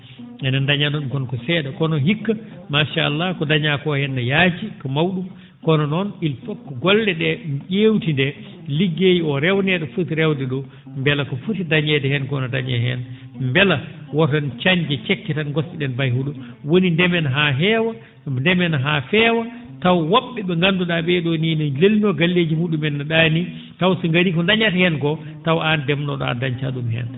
enen daña ?um kono noon ko see?a koo hikka machallah ko dañaa koo ne yaaji ko maw?um kono noon il faut ko golle ?ee ?eewtidee liggey oo rewnee ?o foti rewde ?oo mbela ko foti dañeede heen ko ne dañee heen mbela woten coñde cette tan ngoppe ?en gosto?en mbayi mu?um woni ndemen haa heewa ndemen haa feewa taw wo??e ?e nganndu?aa ?ee ?oo nii n lelinoo galleeji mu?umen no ?aani taw so ngarii ko ndañata heen koo taw aan ndemnoo?o oo a dañataa ?um heen